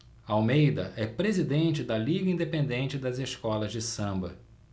almeida é presidente da liga independente das escolas de samba